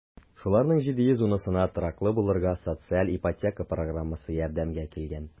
Шуларның 710-сына тораклы булырга социаль ипотека программасы ярдәмгә килгән.